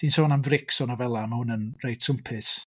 Ti'n sôn am frics o nofelau, ma' hwn yn reit swmpus.